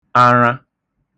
ara